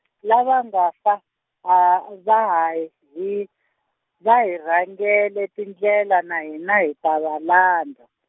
lava nga fa, a va ha hi, va hi rhangele tindlela na hina hi ta va landa.